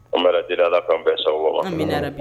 An bɛ di ala k'an bɛɛ sago